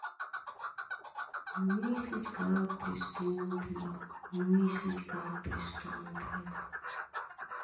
мыслить как преступник мыслить как преступник